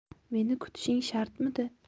meni kutishing shartmidi